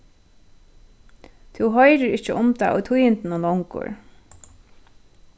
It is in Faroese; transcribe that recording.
tú hoyrir ikki um tað í tíðindunum longur